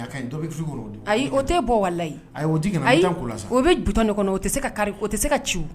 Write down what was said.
Ayi o tɛ bɔ o bɛ du kɔnɔ o tɛ se o tɛ se ka ci